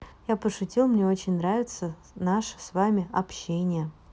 я пошутил мне очень нравится наше с вами общение